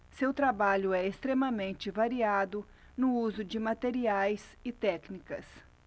seu trabalho é extremamente variado no uso de materiais e técnicas